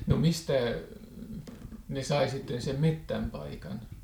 no mistä ne sai sitten sen metsäpaikan